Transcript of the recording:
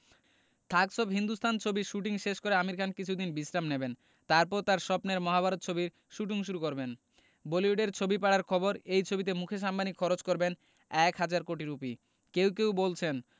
Thugs of Hindustan ছবির shooting শেষ করে আমির খান কিছুদিন বিশ্রাম নেবেন তারপর তাঁর স্বপ্নের মহাভারত ছবির শুটিং শুরু করবেন বলিউডের ছবিপাড়ার খবর এই ছবিতে মুকেশ আম্বানি খরচ করবেন এক হাজার কোটি রুপি কেউ কেউ বলছেন